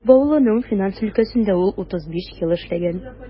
Баулының финанс өлкәсендә ул 35 ел эшләгән.